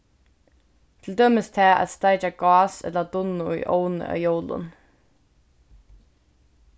til dømis tað at steikja gás ella dunnu í ovni á jólum